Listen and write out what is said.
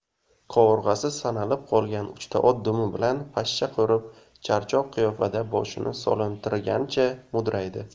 qovurg'asi sanalib qolgan uchta ot dumi bilan pashsha qo'rib charchoq qiyofada boshini solintirgancha mudraydi